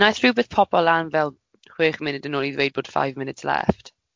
Wnaeth rhywbeth popo lan fel chwech munud yn ôl i ddweud bod five minutes left.